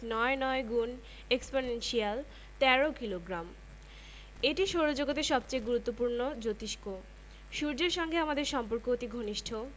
নয় নয় exponential ১৩ kilogram এটি সৌরজগতের সবচেয়ে গুরুত্বপূর্ণ জোতিষ্ক সূর্যের সঙ্গে আমাদের সম্পর্ক অতি ঘনিষ্ট